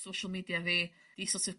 social media fi i so't of...